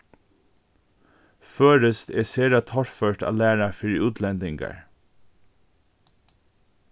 føroyskt er sera torført at læra fyri útlendingar